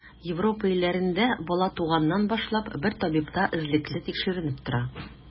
Европа илләрендә бала, туганнан башлап, бер табибта эзлекле тикшеренеп тора.